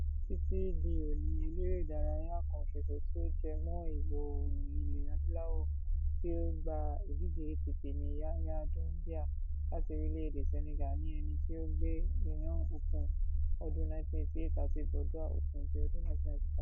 Títí di òní, eléré ìdárayá kan soso tí ó jẹ́ ọmọ Ìwọ̀ Oòrùn Ilẹ̀ Adúláwò tí ó gba ìdíje ATP ni Yahya Doumbia láti orílẹ̀ èdè Senegal, ní ẹni tí ó gba Lyon Open ọdún 1988 àti Bordeaux Open ti ọdún 1995.